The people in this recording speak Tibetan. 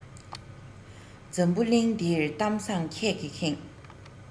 འཛམ བུ གླིང འདིར གཏམ བཟང སྐད ཀྱིས ཁེངས